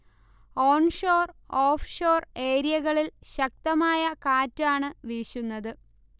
onshore, offshore ഏരിയകളിൽ ശക്തമായ കാറ്റാണ് വീശുന്നത്